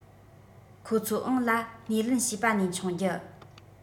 ཁོ ཚོའང ལ སྣེ ལེན ཞུས པ ནས མཆོང རྒྱུ